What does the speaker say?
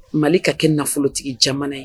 Mali ka kɛ nafolotigi jamana ye